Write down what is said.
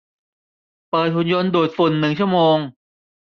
เปิดหุ่นยนต์ดูดฝุ่นหนึ่งชั่วโมง